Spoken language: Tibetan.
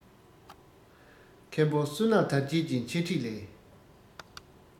མཁན པོ བསོད ནམས དར རྒྱས ཀྱིས འཆད ཁྲིད ལས